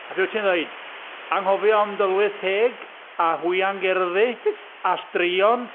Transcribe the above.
A be wyt ti'n ddweud? Anghofio am dylwyth teg a hwiangerddi a straeon?